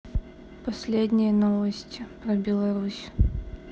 последние новости про беларусь